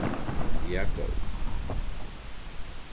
ja góði